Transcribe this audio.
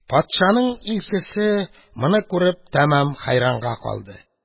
Патшаның илчесе, моны күреп, тәмам хайранга калды.